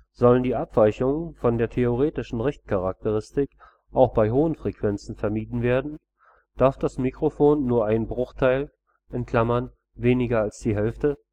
Sollen die Abweichungen von der theoretischen Richtcharakteristik auch bei hohen Frequenzen vermieden werden, darf das Mikrophon nur einen Bruchteil (weniger als die Hälfte